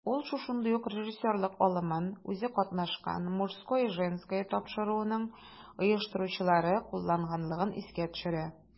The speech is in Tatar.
Ул шушындый ук режиссерлык алымын үзе катнашкан "Мужское/Женское" тапшыруының оештыручылары кулланганлыгын искә төшерә.